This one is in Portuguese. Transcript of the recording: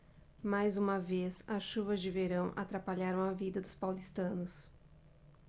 mais uma vez as chuvas de verão atrapalharam a vida dos paulistanos